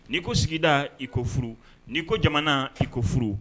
N'i ko sigida i ko furu n'i ko jamana i ko furu